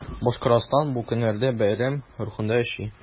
Башкортстан бу көннәрдә бәйрәм рухында яши.